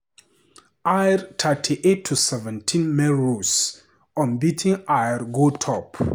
Ayr 38 - 17 Melrose: Unbeaten Ayr go top